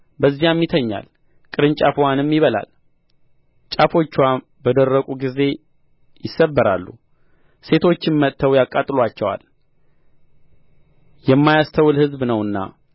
በዚያም ይተኛል ቅርንጫፍዋንም ይበላል ጫፎችዋ በደረቁ ጊዜ ይሰበራሉ ሴቶችም መጥተው ያቃጥሉአቸዋል የማያስተውል ሕዝብ ነውና